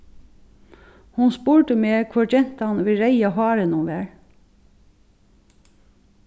hon spurdi meg hvør gentan við reyða hárinum var